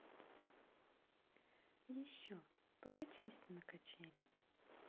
еще покачайся на качели